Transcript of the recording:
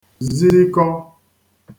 zikọ̄